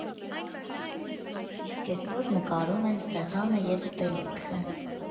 Իսկ էսօր նկարում են սեղանը և ուտելիքը։